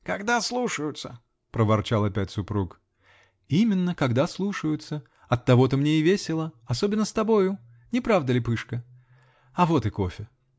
-- Когда слушаются, -- проворчал опять супруг. -- Именно, когда слушаются! Оттого-то мне и весело. Особенно с тобою . Не правда ли, пышна? А вот и кофе.